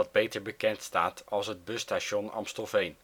beter bekend staat als het Busstation Amstelveen